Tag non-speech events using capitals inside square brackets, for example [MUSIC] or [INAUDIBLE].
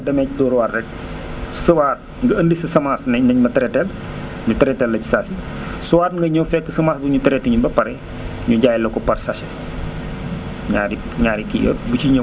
boo demee ci Dóor waar rek [NOISE] souvent nga indi sa semence ne nañ ma traité teel [NOISE] ñu traité teel la ci saa si [NOISE] soit nga ñëw fekk semence bu ñu traité ñun ba pare [NOISE] ñu jaay la ko par sachet [NOISE] ñaari ñaari kii yëpp bu ci ñëw